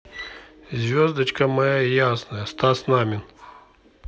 звездочка моя ясная стас намин